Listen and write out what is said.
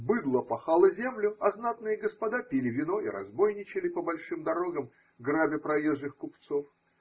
Быдло пахало землю, а знатные господа пили вино и разбойничали по большим дорогам, грабя проезжих купцов.